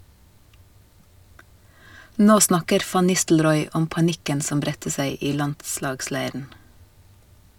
Nå snakker van Nistelrooy om panikken som bredte seg i landslagsleiren.